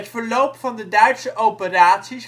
verloop van de Duitse operaties